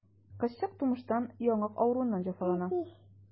Кызчык тумыштан яңак авыруыннан җәфалана.